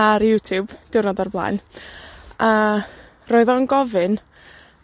ar YouTube, diwrnod o'r blaen. A, roedd o'n gofyn